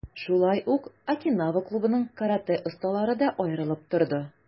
Шулай ук, "Окинава" клубының каратэ осталары да аерылып торды.